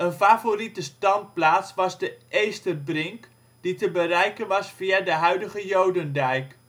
favoriete standplaats was de Eesterbrink, die te bereiken was via de huidige Jodendijk